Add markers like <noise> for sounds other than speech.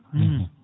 <hesitation> <hesitation>